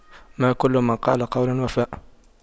ما كل من قال قولا وفى